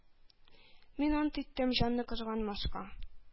Мин ант иттем җанны кызганмаска,